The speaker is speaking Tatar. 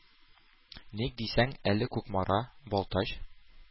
Ник дисәң, әле Кукмара, Балтач